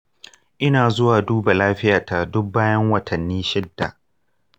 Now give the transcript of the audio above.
ina zuwa duba lafiyata duk bayan watanni shida.